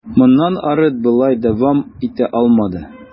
Моннан ары болай дәвам итә алмады.